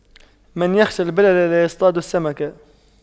من يخشى البلل لا يصطاد السمك